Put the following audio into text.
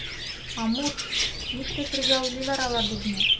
Амур, нишләтергә уйлыйлар алар безне?